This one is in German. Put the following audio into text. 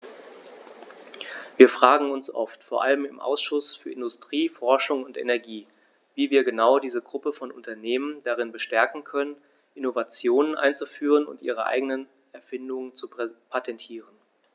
Wir fragen uns oft, vor allem im Ausschuss für Industrie, Forschung und Energie, wie wir genau diese Gruppe von Unternehmen darin bestärken können, Innovationen einzuführen und ihre eigenen Erfindungen zu patentieren.